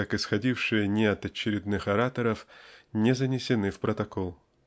как исходившие не от очередных ораторов не занесены в протокол.